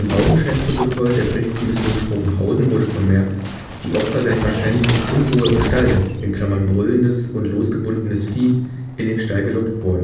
Augenscheinprotokoll der Gerichtskommission Schrobenhausen wurde vermerkt, die Opfer seien wahrscheinlich durch Unruhe im Stall (brüllendes, losgebundenes Vieh) in den Stall gelockt worden. Ein